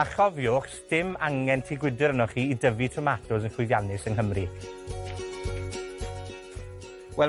A chofiwch, 'sdim angen tŷ gwydyr arnoch chi i dyfu tomatos yn llwyddiannus yng Nghymru. Wel